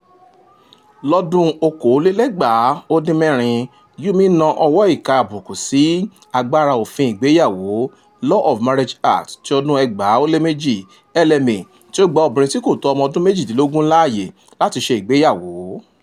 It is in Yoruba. Lọ́dún-un 2016, Gyumi na ọwọ́ ìka àbùkù sí agbára Òfin Ìgbéyàwó; Law of Marriage Act, 2002 (LMA) tí ó gba obìnrin tí kò tó ọmọ ọdún méjìdínlógún láyè láti ṣe ìgbéyàwó.